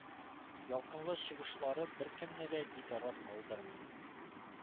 Ялкынлы чыгышлары беркемне дә битараф калдырмый.